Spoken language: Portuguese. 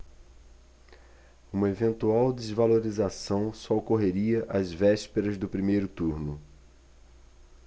uma eventual desvalorização só ocorreria às vésperas do primeiro turno